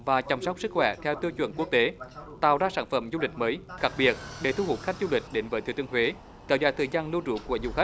và chăm sóc sức khỏe theo tiêu chuẩn quốc tế tạo ra sản phẩm du lịch mỹ đặc biệt để thu hút khách du lịch đến với thừa thiên huế kéo dài thời gian lưu trú của du khách